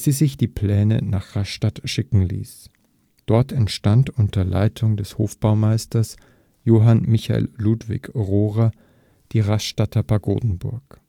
sich die Pläne nach Rastatt schicken ließ. Dort entstand unter Leitung des Hofbaumeisters Johann Michael Ludwig Rohrer die Rastatter Pagodenburg